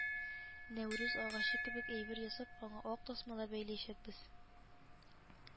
Нәүрүз агачы кебек әйбер ясап аңа ак тасмалар бәйләячәкбез